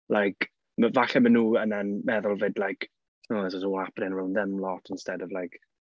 Like falle maen nhw yna'n meddwl 'fyd like "oh this is all happening around them lot instead of like..."